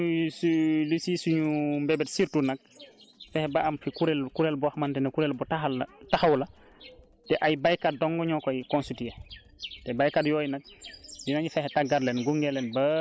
dinañ dem ba commune bi li ñu su li siy suñu mbébét surtout nag fexe ba am fi kuréel kuréel boo xamante ne kuréel bu taxaw la te ay béykat dong ñoo koy constitué